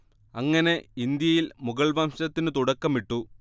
അങ്ങനെ ഇന്ത്യയിൽ മുഗൾവംശത്തിനു തുടക്കമിട്ടു